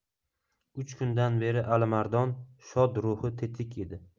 uch kundan beri alimardon shod ruhi tetik edi